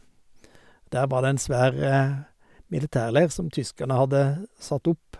Der var det en svær militærleir som tyskerne hadde satt opp.